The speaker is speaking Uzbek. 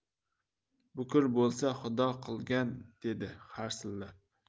bukur bo'lsa xudo qilgan dedi harsillab